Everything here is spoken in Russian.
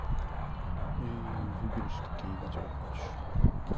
и выбираешь какие видео хочешь